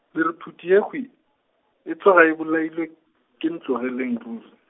le re phuti yekhwi, e tloga e bolailwe, ke Ntlogeleng ruri.